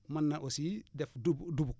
mën na aussi def du dugub